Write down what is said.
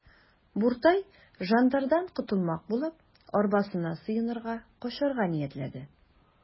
Буртай жандардан котылмак булып, арбасына сыенырга, качарга ниятләде.